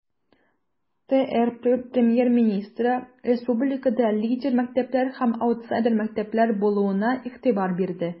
ТР Премьер-министры республикада лидер мәктәпләр һәм аутсайдер мәктәпләр булуына игътибар бирде.